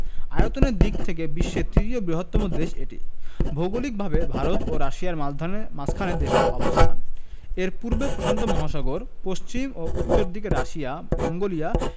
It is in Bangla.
আয়তনের দিক থেকে বিশ্বের তৃতীয় বৃহত্তম দেশ এটি ভৌগলিকভাবে ভারত ও রাশিয়ার মাঝধানে মাঝখানে দেশটির অবস্থান এর পূর্বে প্রশান্ত মহাসাগর পশ্চিম ও উত্তর দিকে রাশিয়া মঙ্গোলিয়া